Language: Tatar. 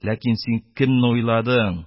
Ләкин син кемне уйладың: